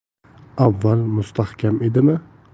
avval mustahkam edimi